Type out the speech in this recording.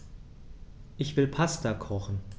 Ich will Pasta kochen.